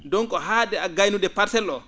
donc haade a gaynude parcelle oo